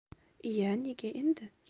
iya nega endi